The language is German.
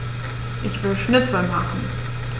Ich will Schnitzel machen.